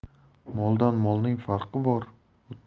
moldan molning farqi bor